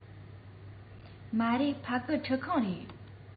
མ རེད ཕ གི ཁྲུད ཁང རེད